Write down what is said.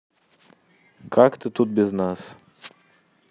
как ты тут без нас